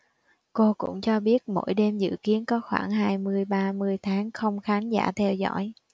cô cũng cho biết mỗi đêm dự kiến có khoảng hai mươi ba mươi tháng không khán giả theo dõi